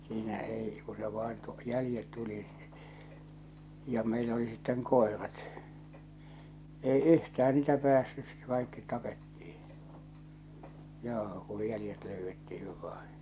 siinä ei kun se vain - jäljet tuli ja meillä oli sitten koirat ei yhtään niitä päässyt kaikki tapettiin joo kun jäljet löydettiin vain